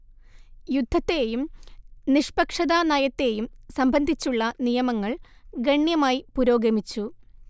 യുദ്ധത്തെയും നിഷ്പക്ഷതാനയത്തെയും സംബന്ധിച്ചുള്ള നിയമങ്ങൾ ഗണ്യമായി പുരോഗമിച്ചു